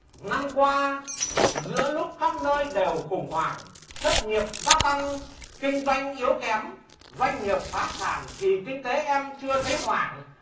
năm qua giữa lúc khắp nơi đều khủng hoảng thất nghiệp ra tăng kinh doanh yếu kém doanh nghiệp phá sản thì kinh tế em chưa thấy hoảng